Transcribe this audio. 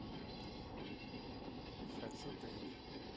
хочу три